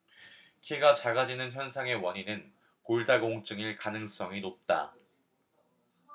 키가 작아지는 현상의 원인은 골다공증일 가능성이 높다